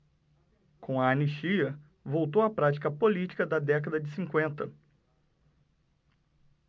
com a anistia voltou a prática política da década de cinquenta